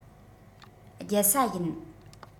རྒྱལ ས ཡིན